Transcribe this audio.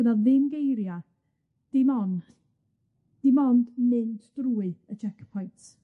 Do' 'na ddim geiria' dim ond dim ond mynd drwy y checkpoint.